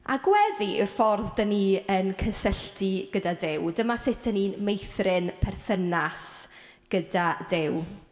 A gweddi yw'r ffordd dan ni yn cysylltu gyda Duw. Dyma sut dan ni'n meithrin perthynas gyda Duw.